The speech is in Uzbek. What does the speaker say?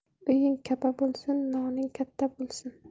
uying kapa bo'lsin noning katta bo'lsin